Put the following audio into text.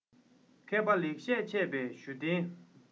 མཁས པ ལེགས བཤད འཆད པའི ཞུ རྟེན